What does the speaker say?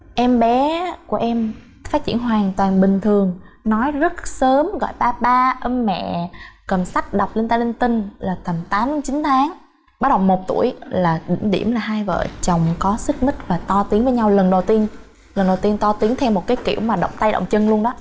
em bé của em phát triển hoàn toàn bình thường nói rất sớm gọi pa pa âm mẹ cầm sách đọc linh ta linh tinh là tầm tám chín tháng bắt đầu một tuổi là đỉnh điểm là hai vợ chồng có xích mích và to tiếng với nhau lần đầu tiên lần đầu tiên to tiếng theo một cái kiểu mà động tay động chân luôn đó